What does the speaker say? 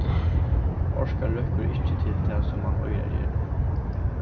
orkan røkkur ikki til tað sum mann eigur at gera